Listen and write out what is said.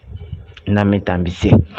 n'an bɛ taa an bɛ se